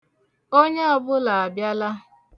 Onye ọbụla abịala.